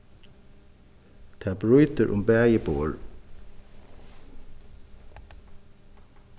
tað brýtur um bæði borð